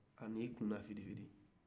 a y'i ku lafirifiri